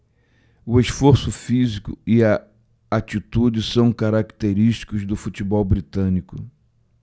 o esforço físico e a atitude são característicos do futebol britânico